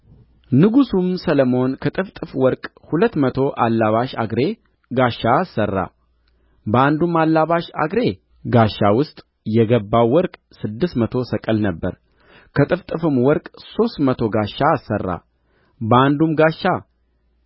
ንጉሡም ሰሎሞን ከጥፍጥፍ ወርቅ ሁለት መቶ አላበሽ አግሬ ጋሻ አሠራ በአንዱም አላባሽ አግሬ ጋሻ ውስጥ የገባው ወርቅ ስድስት መቶ ሰቅል ነበረ ከጥፍጥፍም ወርቅ ሦስት መቶ ጋሻ አሠራ በአንዱም ጋሻ